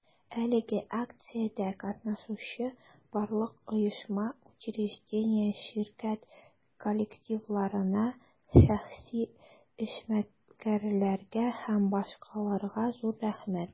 Әлеге акциядә катнашучы барлык оешма, учреждение, ширкәт коллективларына, шәхси эшмәкәрләргә һ.б. зур рәхмәт!